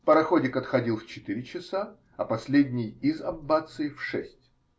Пароходик отходил в четыре часа, а последний из Аббации в шесть.